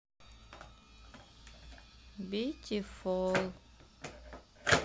бити фол